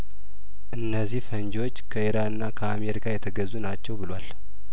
እነዚህ ፈንጂዎች ከኢራንና ከአሜሪካ የተገዙ ናቸው ብሏል